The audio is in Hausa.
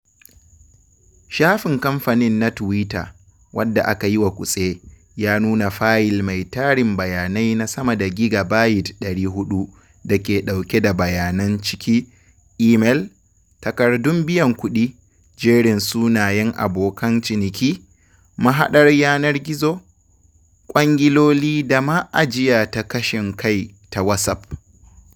Shafin kamfanin na Twitter, wanda aka yiwa kutse, ya nuna fayil mai tarin bayanai na sama da gigabayit 400 da ke ɗauke da bayanan ciki: imel, takardun biyan kuɗi, jerin sunayen abokan ciniki, mahaɗar yanar gizo, kwangiloli da ma ajiya ta ƙashin kai ta WhatsApp.